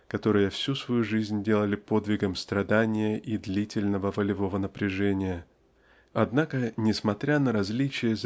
которые всю свою жизнь делали подвигом страдания и длительного волевого напряжения однако несмотря на различия